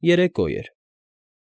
Երեկո էր։